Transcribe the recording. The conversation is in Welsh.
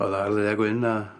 o'dd o ar ddu a gwyn a